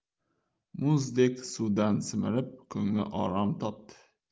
muzdek suvdan simirib kungli orom topdi